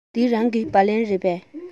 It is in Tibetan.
འདི རང གི སྦ ལན རེད པས